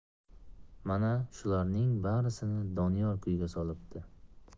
mana shularning barisini doniyor kuyga solibdi